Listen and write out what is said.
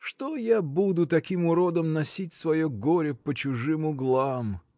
Что я буду таким уродом носить свое горе по чужим углам!.